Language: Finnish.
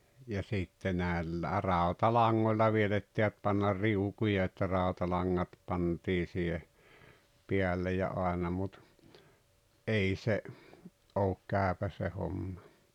ja sitten - rautalangoilla vielä ehtivät panna riukuja että rautalangat pantiin siihen päälle ja aina mutta ei se ole käypä se homma